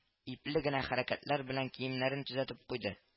Ипле генә хәрәкәтләр белән киемнәрен төзәтеп куйды